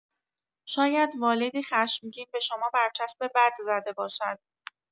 شاید والدی خشمگین به شما برچسب بد زده باشد.